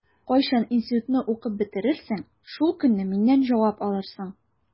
Кайчан институтны укып бетерерсең, шул көнне миннән җавап алырсың.